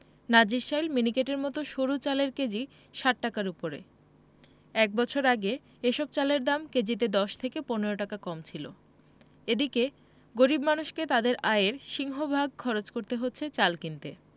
নাজিরশাইল মিনিকেটের মতো সরু চালের কেজি ৬০ টাকার ওপরে এক বছর আগে এসব চালের দাম কেজিতে ১০ থেকে ১৫ টাকা কম ছিল এদিকে গরিব মানুষকে তাঁদের আয়ের সিংহভাগ খরচ করতে হচ্ছে চাল কিনতে